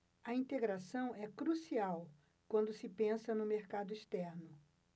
a integração é crucial quando se pensa no mercado externo